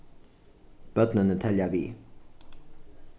børnini telja við